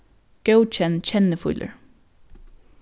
góðkenn kennifílur